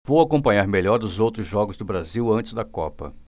vou acompanhar melhor os outros jogos do brasil antes da copa